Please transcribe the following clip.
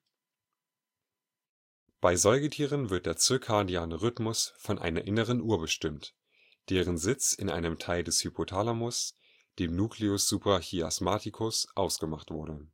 Bei Säugetieren wird der circadiane Rhythmus von einer inneren Uhr bestimmt, deren Sitz in einem Teil des Hypothalamus, dem Nucleus suprachiasmaticus, ausgemacht wurde